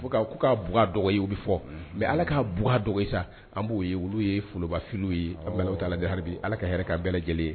' ko ka bug dɔgɔ ye u bɛ fɔ mɛ ala ka b dɔgɔ sa an b'o olu ye nafolobafili ye taha ala ka hɛrɛ ka bɛɛ lajɛlen ye